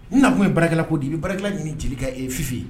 N na kun ye barakɛla ko de ye , n bɛ barakɛla ɲini Jelika ye, e Ffi !